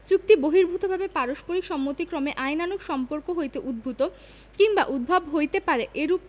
চুক্তিবহির্ভুতভাবে পারস্পরিক সম্মতিক্রমে আইনানুগ সম্পর্ক হইতে উদ্ভুত কিংবা উদ্ভব হইতে পারে এইরূপ